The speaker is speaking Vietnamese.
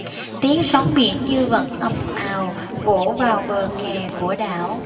tiếng sóng biển như vẫn ầm ào vỗ vào bờ kè của đảo